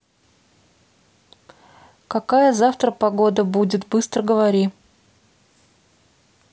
какая завтра погода будет быстро говори